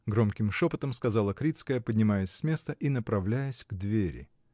— громким шепотом сказала Крицкая, поднимаясь с места и направляясь к двери.